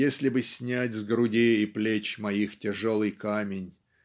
Если бы снять с груди и плеч моих тяжелый камень